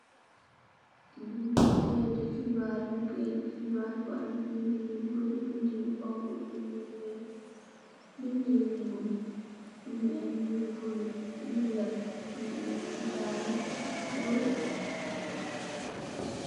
Kaity hebarr la bu am bedi yu barre. bidi yu honha , bideh yu ñuul, yu bolo yo verter weyh.